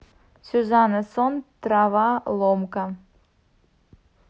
сюзанна сон трава ломка